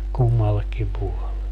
kummallekin puolen